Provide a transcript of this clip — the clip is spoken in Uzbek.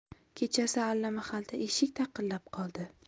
kechasi allamahalda eshik taqillab qoldi